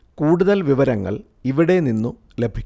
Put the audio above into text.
കൂടുതല്‍ വിവരങ്ങള്‍ ഇവിടെ നിന്നു ലഭിക്കും